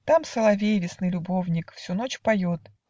Там соловей, весны любовник, Всю ночь поет